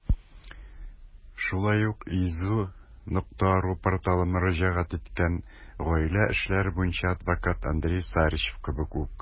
Шулай ук iz.ru порталы мөрәҗәгать иткән гаилә эшләре буенча адвокат Андрей Сарычев кебек үк.